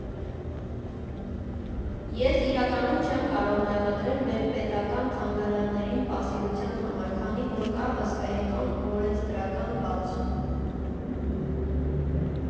Ես, իրականում, չեմ կարող մեղադրել մեր պետական թանգարաններին պասիվության համար, քանի որ կա հսկայական օրենսդրական բաց։